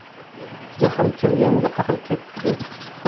jahl kelganda aql ketdi